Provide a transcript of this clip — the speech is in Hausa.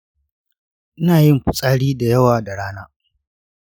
ina yin fitsari da yawa da rana.